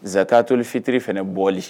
Zakatuli fitiri fana bɔli.